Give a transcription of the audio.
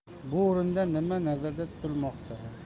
bu o'rinda nima nazarda tutilmoqda